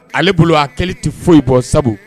Ale bolo a hakili tɛ foyi bɔ sabu